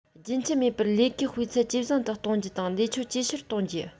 རྒྱུན ཆད མེད པར ལས ཀའི སྤུས ཚད ཇེ བཟང དུ གཏོང རྒྱུ དང ལས ཆོད ཇེ ཆེར གཏོང རྒྱུ